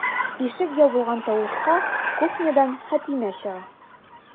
Ишек ябылган тавышка кухнядан Хәтимә чыга.